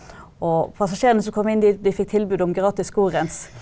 og passasjerene som kom inn de de fikk tilbud om gratis skorens.